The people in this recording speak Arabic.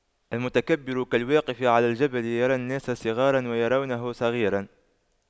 المتكبر كالواقف على الجبل يرى الناس صغاراً ويرونه صغيراً